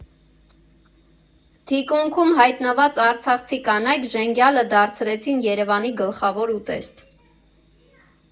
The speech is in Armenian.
Թիկունքում հայտնված արցախցի կանայք ժենգյալը դարձրեցին Երևանի գլխավոր ուտեստ։